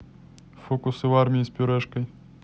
фокусы в армии с пюрешкой